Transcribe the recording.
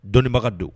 Dɔnnibaga don.